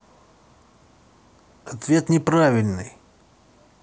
ответ неправильный